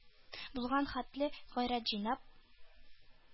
Булган хәтле гайрәт җыйнап: